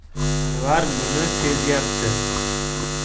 anvar buni sezyapti